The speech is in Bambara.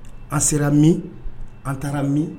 An sera min an taara min